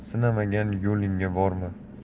sinamagan yo'lingga borma